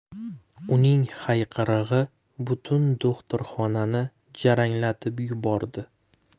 uning hayqirig'i butun do'xtirxonani jaranglatib yubordi